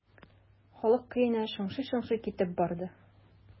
Халык көенә шыңшый-шыңшый китеп барды.